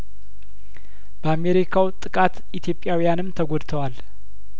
በአሜሪካው ጥቃት ኢትዮጵያውያንም ተጐድተዋል